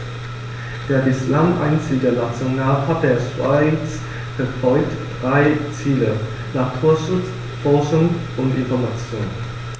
Der bislang einzige Nationalpark der Schweiz verfolgt drei Ziele: Naturschutz, Forschung und Information.